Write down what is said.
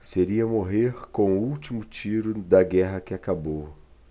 seria morrer com o último tiro da guerra que acabou